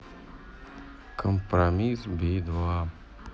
компромисс би два